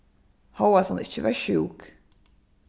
hóast hon ikki var sjúk